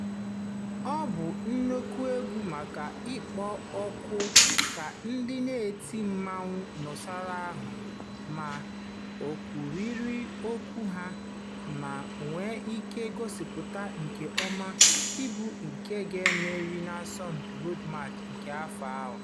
Ọ bụ nnukwu egwu maka ikpo okwu ka ndị na-eti mmanwụ nọsara ahụ ma “na-egwuriri onwe ha”, ma nwee ike gosipụta nke ọma ịbụ nke ga-emeri n'asọmpị Road March nke afọ a.